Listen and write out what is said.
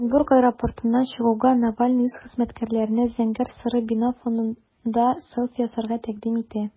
Оренбург аэропортыннан чыгуга, Навальный үз хезмәткәрләренә зәңгәр-соры бина фонында селфи ясарга тәкъдим итә.